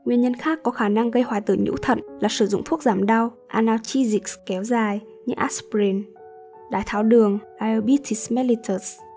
nguyên nhân khác có khả năng gây hoại tử nhũ thận là sử dụng thuốc giảm đau kéo dài như aspirin cũng như đái tháo đường